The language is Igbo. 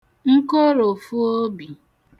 nkoròfuobì